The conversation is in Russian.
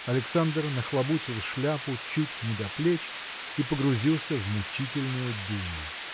Александр нахлобучил шляпу чуть не до плеч и погрузился в мучительную думу.